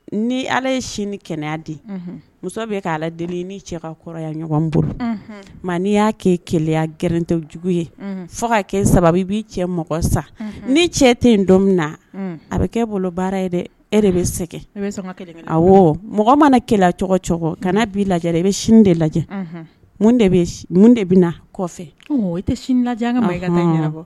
Ni ala ye sini ni kɛnɛya muso bɛ kɛ ala deli ni cɛ ka kɔrɔya ɲɔgɔn bolo mɛ n'i y'a kɛ keya grɛnte jugu ye fo ka kɛ saba i b'i cɛ mɔgɔ sa ni cɛ tɛ yen don min na a bɛ kɛ bolo baara ye dɛ e de bɛ segin mɔgɔ mana ke kana' la i bɛ sini de lajɛ de bɛ kɔfɛ tɛ ka taa